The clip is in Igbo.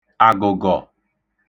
àgụ̀gọ̀